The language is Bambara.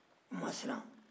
u ma siran